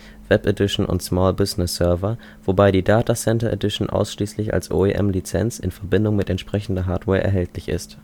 Small Business Server, wobei die Datacenter Edition ausschließlich als OEM-Lizenz in Verbindung mit entsprechender Hardware erhältlich ist